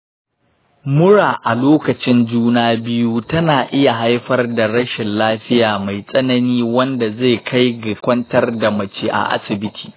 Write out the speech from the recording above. mura a lokacin juna biyu tana iya haifar da rashin lafiya mai tsanani wanda zai kai ga kwantar da mace a asibiti.